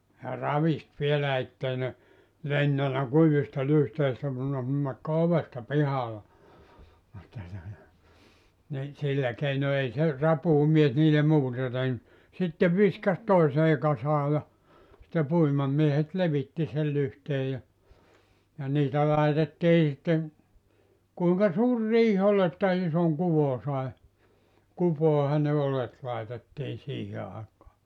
ja ravisti vielä että ei ne lentänyt kuivista lyhteistä kun ne nakkoi ovesta pihalle että tuota niin sillä keino ei se rapuumies niille muuta tehnyt sitten viskasi toiseen kasaan ja sitten puimamiehet levitti sen lyhteen ja ja niitä laitettiin sitten kuinka suuri riihi oli että ison kuvon sai kupoihin ne oljet laitettiin siihen aikaan